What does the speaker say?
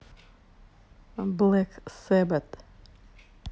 black sabbath